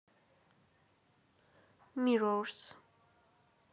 mirror's